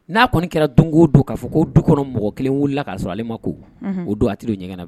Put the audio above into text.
N'a kɔni kɛra don o don k'a fɔ ko du kɔnɔ mɔgɔ kelen wulila k'a sɔrɔ ale ma ko o don a tɛ ɲɛ